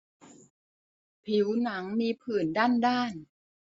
ผิวหนังมีผื่นด้านด้าน